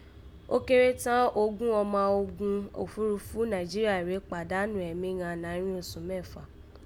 Ó kéré tán ogún ọma ogun òfúrufú. Nàìjíríà rèé pàdánọ̀ ẹ̀mí ghan nàárín osù meta